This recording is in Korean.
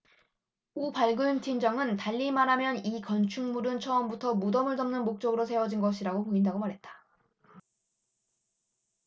오 발굴팀장은 달리 말하면 이 건축물은 처음부터 무덤을 덮을 목적으로 세워진 것으로 보인다고 말했다